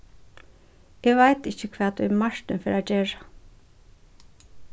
eg veit ikki hvat ið martin fer at gera